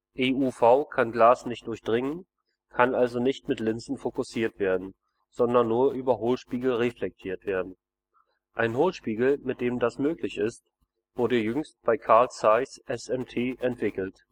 EUV kann Glas nicht durchdringen, kann also nicht mit Linsen fokussiert werden, sondern nur über Hohlspiegel reflektiert werden. Ein Hohlspiegel, mit dem das möglich ist, wurde jüngst bei Carl Zeiss SMT entwickelt